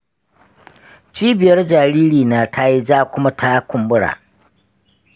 cibiyar jaririna ta yi ja kuma ta kumbura.